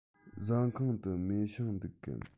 ཟ ཁང དུ མེ ཤིང འདུག གམ